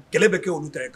Kɛlɛ bɛ kɛ olu ta